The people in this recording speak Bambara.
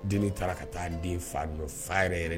Den taara ka taa den faa don fa yɛrɛ yɛrɛ